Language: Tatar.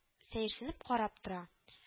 Сәерсенеп карап тора